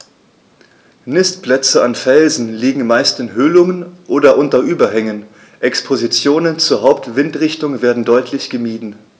Nistplätze an Felsen liegen meist in Höhlungen oder unter Überhängen, Expositionen zur Hauptwindrichtung werden deutlich gemieden.